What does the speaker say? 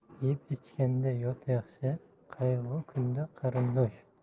yeb ichganda yot yaxshi qayg'u kunda qarindosh